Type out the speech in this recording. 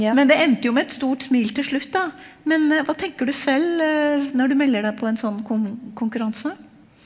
men det endte jo med et stort smil til slutt da, men hva tenker du selv når du melder deg på en sånn konkurranse?